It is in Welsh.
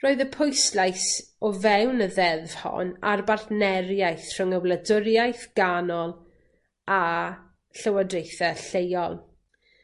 Roedd y pwyslais o fewn y ddeddf hon ar bartneriaeth rhwng y wladwriaeth ganol a llywodraethe lleol